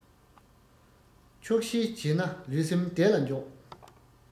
ཆོག ཤེས བྱས ན ལུས སེམས བདེ ལ འཇོག